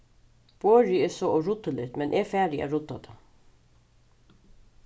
borðið er so óruddiligt men eg fari at rudda tað